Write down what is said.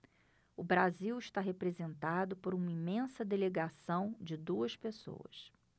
o brasil está representado por uma imensa delegação de duas pessoas